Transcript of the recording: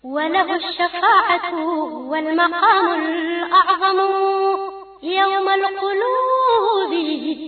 Wabugu wa ɲama